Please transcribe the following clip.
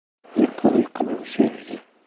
uyqu uyquning sherigi